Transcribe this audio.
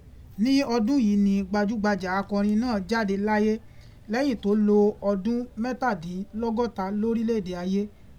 Ní ọdún yìí ni gbajúgbajà akọrin náà jáde láyé lẹ́yìn tó lo ọdún mẹ́tàdínlọ́gọ́ta lórílẹ̀ èdè ayé.